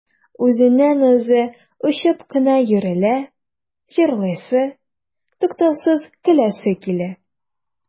Үзеннән-үзе очып кына йөрелә, җырлыйсы, туктаусыз көләсе килә.